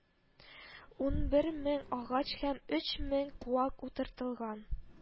Унбер мең агач һәм өч мең куак утыртылган